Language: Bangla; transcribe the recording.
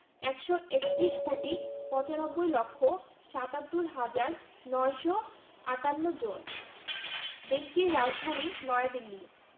১৩১ কোটি ৯৫ লক্ষ ৭৭ হাজার ৯৫৮ জন দেশটির রাজধানী নয়াদিল্লী